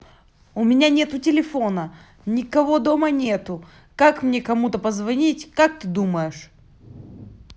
у меня нету телефона никого дома нету как мне кому то позвонить как ты думаешь